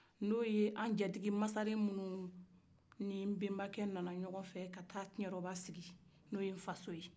n'o ye an jatigi masaren minu ni nbenba nana ɲɔgɔfɛ ka taa kiɲɛrɔba sigi n'o ye nfa so ye